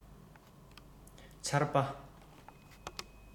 ཆར པ